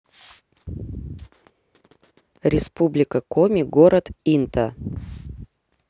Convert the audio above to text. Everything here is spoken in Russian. республика коми город инта